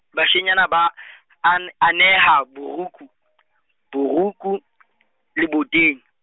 bashanyana ba an-, aneha boroku , boroku , leboteng.